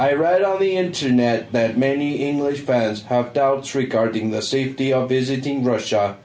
I read on the internet that many English fans have doubts regarding the safety of visiting Russia.